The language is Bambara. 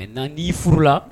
Mɛ nan n' i furu la